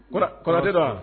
Kɔrɔtɛ la